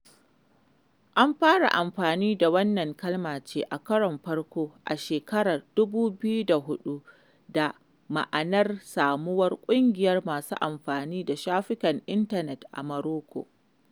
An fara amfani da wannan kalma ce a karon farko a shekara 2004 da ma'anar samuwar ƙungiyar masu amfani da shafukan intanet a Marocco.